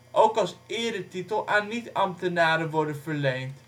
ook als eretitel aan niet-ambtenaren worden verleend